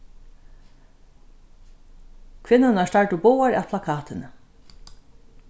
kvinnurnar stardu báðar at plakatini